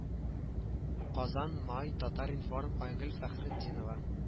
Казан май татар-информ айгөл фәхретдинова